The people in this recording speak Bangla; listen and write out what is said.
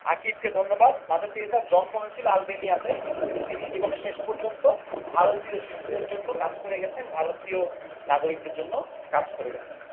আকিব কে ধন্যবাদ মাদার তেরেসার জন্ম হয়েছিল আলবেনিয়াতে কিন্তু তিনি জীবনের শেষ পর্যন্ত ভারতীয় শিশুদের জন্য কাজ করে গেছেন